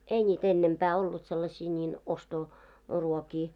ei niitä ennempää ollut sellaisia niin - ostoruokia